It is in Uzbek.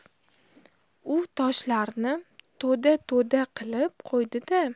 u toshlarni to'da to'da qilib qo'ydi da